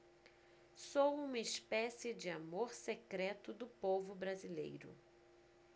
sou uma espécie de amor secreto do povo brasileiro